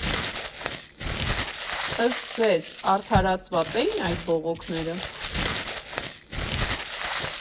Ըստ ձեզ՝ արդարացվա՞ծ էին այդ բողոքները։